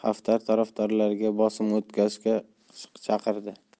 xaftar tarafdorlariga bosim o'tkazishga chaqirdi